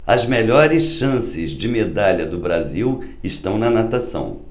as melhores chances de medalha do brasil estão na natação